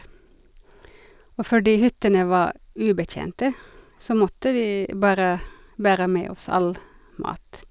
Og fordi hyttene var ubetjente, så måtte vi bare bære med oss all mat.